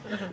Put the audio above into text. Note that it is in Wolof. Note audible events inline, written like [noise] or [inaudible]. [hesitation] [hesitation]